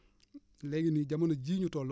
léegi nii jamono jii ñu toll